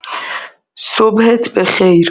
صبحت به خیر.